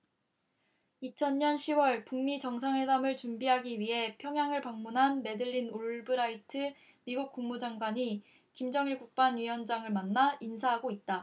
이천 년 시 월 북 미 정상회담을 준비하기 위해 평양을 방문한 매들린 올브라이트 미국 국무장관이 김정일 국방위원장을 만나 인사하고 있다